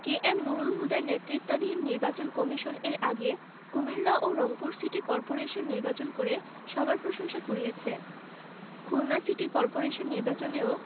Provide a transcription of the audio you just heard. কে M Nurul হুদার নেতৃত্বাধীন নির্বাচন কমিশন এর আগে কুমিল্লা ও রংপুর সিটি করপোরেশন নির্বাচন করে সবার প্রশংসা কুড়িয়েছে খুলনা সিটি করপোরেশন নির্বাচনেও